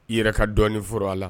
I yɛrɛ ka dɔɔnin foro a la